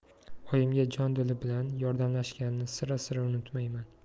oyimga jon dili bilan yordamlashganini sira sira unutmayman